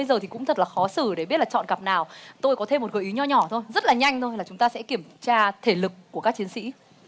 giờ thì cũng thật là khó xử để biết là chọn cặp nào tôi có thêm một gợi ý nho nhỏ thôi rất là nhanh thôi là chúng ta sẽ kiểm tra thể lực của các chiến sĩ